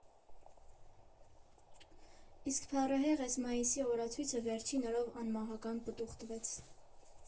Իսկ փառահեղ էս մայիսի օրացույցը վերջին օրով անմահական պտուղ տվեց.